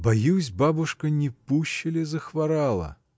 — Боюсь, бабушка, не пуще ли захворала.